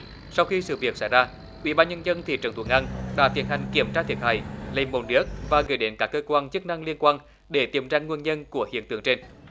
sau khi sự việc xảy ra ủy ban nhân dân thị trấn thuận an đã tiến hành kiểm tra thiệt hại lấy mẫu nước và gửi đến các cơ quan chức năng liên quan để tìm ra nguyên nhân của hiện tượng trên